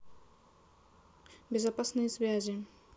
безопасные связи